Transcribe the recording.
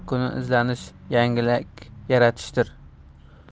kuni izlanish yangilik yaratishdir